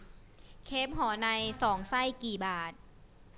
เครปหอในสองไส้กี่บาท